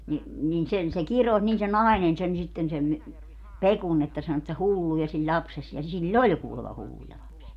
niin niin sen se kirosi niin se nainen sen sitten sen - Pekun että sanoi että hulluja sinun lapsesi ja sillä oli kuulemma hulluja lapsia